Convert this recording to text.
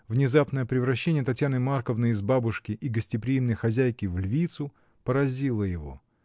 Внезапное превращение Татьяны Марковны из бабушки и гостеприимной хозяйки в львицу поразило его.